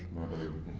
moo doyul